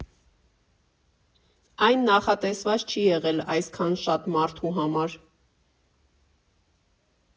Այն նախատեսված չի եղել այսքան շատ մարդու համար։